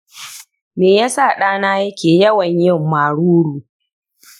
me yasa ɗana yake yawan yin maruru?